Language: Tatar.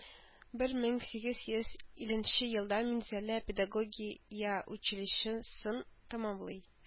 Бер мең сигез йөз илленче елда Минзәлә педагогия училищесын тәмамлый